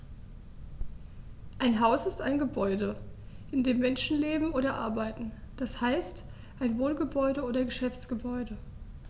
Ein Haus ist ein Gebäude, in dem Menschen leben oder arbeiten, d. h. ein Wohngebäude oder Geschäftsgebäude.